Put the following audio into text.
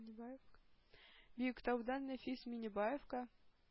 Биектаудан Нәфис Миңнебаевка